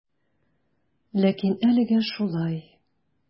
Ләкин әлегә шулай.